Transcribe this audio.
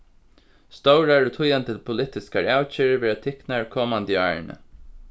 stórar og týðandi politiskar avgerðir verða tiknar komandi árini